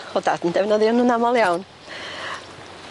O'dd dad yn defnyddio nw'n amal iawn.